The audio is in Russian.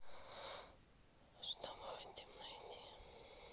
а что мы хотим найти